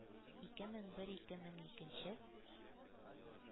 Ике мең бер ике мең икенче